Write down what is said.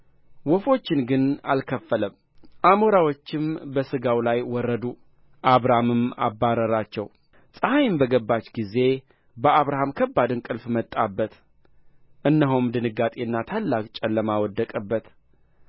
ወፎችን ግን አልከፈለም አሞራዎችም በሥጋው ላይ ወረዱ አብራምም አበረራቸው ፀሐይም በገባች ጊዜ በአብራም ከባድ እንቅልፍ መጣበት እነሆም ድንጋጤና ታላቅ ጨለማ ወደቀበት